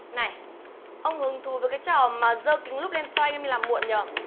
này ông hứng thú với trò mà giơ kính lúp lên soi đi làm muộn nhở